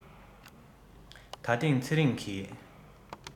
ད ཐེངས ཚེ རིང གིས